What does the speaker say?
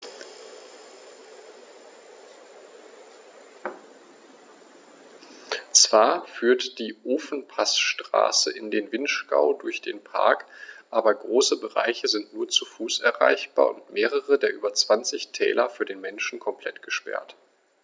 Zwar führt die Ofenpassstraße in den Vinschgau durch den Park, aber große Bereiche sind nur zu Fuß erreichbar und mehrere der über 20 Täler für den Menschen komplett gesperrt.